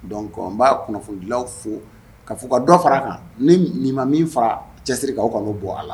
Donc n ba kunnafonidilaw fo ka fɔ u ka dɔ fara kan. Ni nin ma min fara cɛsiri kan o ka na o bɔ a la.